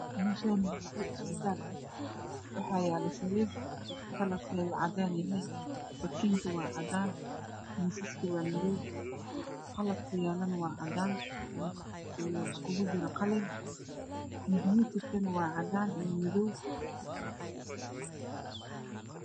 Meeshaani waa qol isbitaal ah waxaa yaala sariir kalarkeedu cadaan yahay, barkintu waa cadaan , miisasku waa madow, qalabka yaalana waa cadaan iyo qalin iskugu jira, kumbuyuter kuna waa cadaan iyo madow.